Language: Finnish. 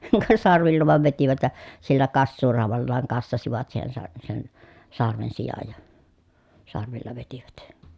ka sarvilla vain vetivät ja sillä kassuuraudallaan kassasivat siihen - sen sarven sijan ja sarvilla vetivät